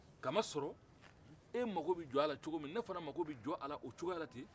kamasɔrɔ e mako be jɔ a la cogo min ne fɛnɛ mako bɛ jɔ a la o cogoya la ten